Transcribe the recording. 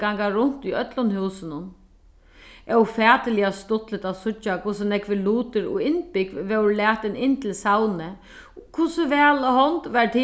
ganga runt í øllum húsinum ófatiliga stuttligt at síggja hvussu nógvir lutir og innbúgv vórðu latin inn til savnið hvussu væl hond var